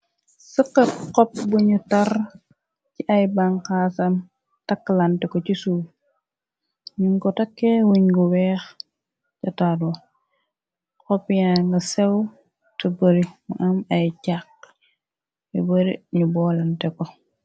sëke xop buñu tar ci ay banxaasam takklante ko ci suuf num ko takke wuñ gu weex jataata xop yang sew te bari mu am ay caq yu bar ñu bolante ko.